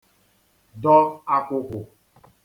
dọ ākwụ̄kwụ̀